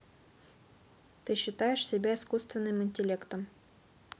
ты считаешь себя искусственным интеллектом